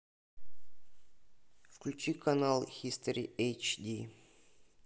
включи канал хистори эйч ди